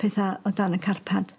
petha o dan y carpad.